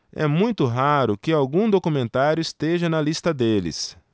é muito raro que algum documentário esteja na lista deles